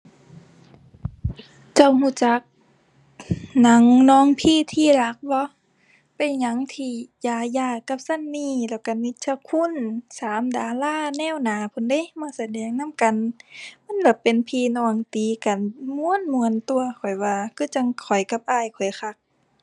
เจ้ารู้จักหนังน้องพี่ที่รักบ่ เป็นหนังที่ญาญ่ากับซันนี่ แล้วรู้นิชคุณ สามดาราแนวหน้าพู้นเดะ มาแสดงนำกัน มันล่ะเป็นพี่น้องตีกัน ม่วนม่วนตั่ว ข้อยว่า คือจั่งข้อยกับอ้ายข้อยคัก